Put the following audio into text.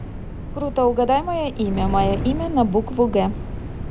круто угадай мое имя мое имя на букву г